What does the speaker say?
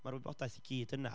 Mae'r wybodaeth i gyd yna.